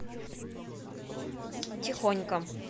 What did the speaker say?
тихонько